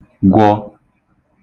gwọ